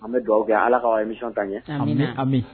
An bɛ dugawu kɛ Ala k'aw ta émission taa ɲɛ, amina amin